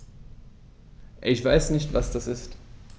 Ich weiß nicht, was das ist.